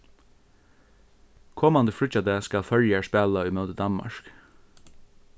komandi fríggjadag skal føroyar spæla ímóti danmark